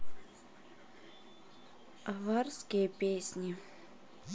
аварские песни